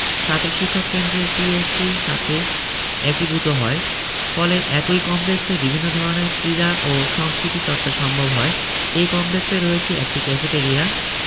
ছাত্র শিক্ষক কেন্দ্রের টিএসসি সাথে একীভূত হয় ফলে একই কমপ্লেক্সে বিভিন্ন ধরনের ক্রীড়া ও সংস্কৃতি চর্চা সম্ভব হয় এ কমপ্লেক্সে রয়েছে একটি ক্যাফেটেরিয়া